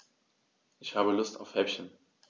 Ich habe Lust auf Häppchen.